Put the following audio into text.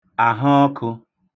àhọọkụ̄